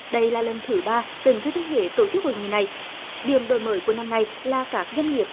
đây là lần thứ ba tỉnh thừa thiên huế tổ chức hội nghị này điểm đổi mới của năm nay là các doanh nghiệp